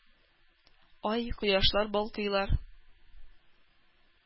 Ай, кояшлар балкыйлар?